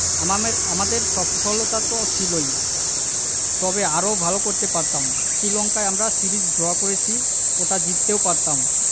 আমাদের সফলতা তো ছিলই তবে আরও ভালো করতে পারতাম শ্রীলঙ্কায় আমরা সিরিজ ড্র করেছি ওটা জিততেও পারতাম